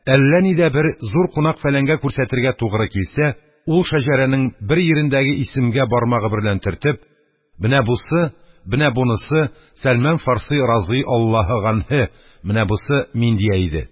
Әллә нидә бер зур кунак-фәләнгә күрсәтергә тугры килсә, ул, шәҗәрәнең бер йирендәге исемгә бармагы берлән төртеп: – менә бунысы – сәлман фарси разый аллаһе ганһе, менә бунысы – мин, – дия иде